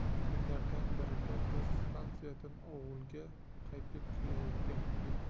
kunlardan birida biz stansiyadan ovulga qaytib kelayotgan edik